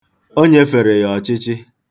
O nyefere ya ọchịchị.